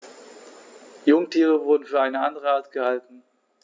Jungtiere wurden für eine andere Art gehalten.